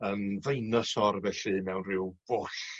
yn ddeinasor felly mewn ryw bwll